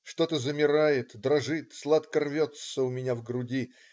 Что-то замирает, дрожит, сладко рвется у меня в груди.